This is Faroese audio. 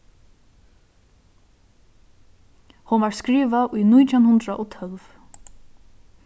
hon varð skrivað í nítjan hundrað og tólv